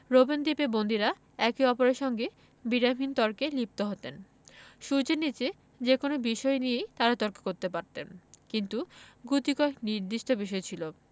Robben দ্বীপে বন্দীরা একে অপরের সঙ্গে বিরামহীন তর্কে লিপ্ত হতেন সূর্যের নিচে যেকোনো বিষয় নিয়েই তাঁরা তর্ক করতে পারতেন কিন্তু গুটিকয়েক নির্দিষ্ট বিষয় ছিল